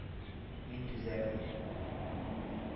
Мин түзәрмен